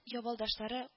Ябалдашлары